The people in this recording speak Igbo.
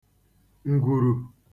ǹgwùrù